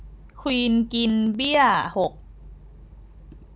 ควีนกินเบี้ยหก